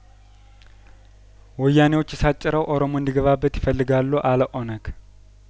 ወያኔዎች እሳት ጭረው ኦሮሞ እንዲ ገባበት ይፈልጋሉ አለኦነግ